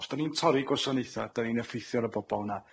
Os dan ni'n torri gwasanaetha, dan ni'n effeithio ar y bobol yna.